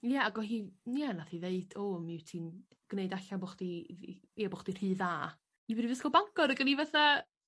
Ia ag odd hi'n ia nath hi ddeud o mi wt ti'n gneud allan bo' chdi i- i- ia bo' chdi rhy dda i Frifysgol Bangor ag o'n i fatha